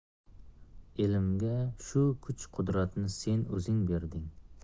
elimga shu kuch qudratni sen o'zing berding